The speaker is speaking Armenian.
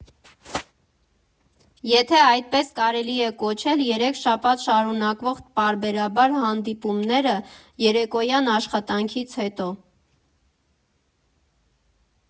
Եթե այդպես կարելի է կոչել երեք շաբաթ շարունակվող պարբերական հանդիպումները երեկոյան՝ աշխատանքից հետո։